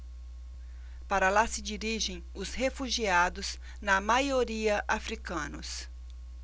para lá se dirigem os refugiados na maioria hútus